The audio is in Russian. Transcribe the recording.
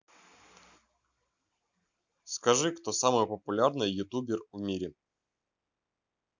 скажи кто самый популярный ютубер в мире